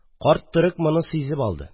Карт төрек моны сизеп алды.